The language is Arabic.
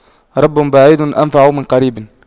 رب بعيد أنفع من قريب